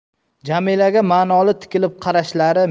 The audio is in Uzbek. jamilaga ma'noli tikilib qarashlari